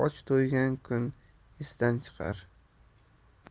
och to'ygan kun esdan chiqar